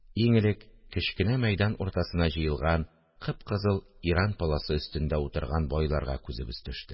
Иң элек кечкенә мәйдан уртасына җыелган кып-кызыл иран паласы өстендә утырган байларга күзебез төште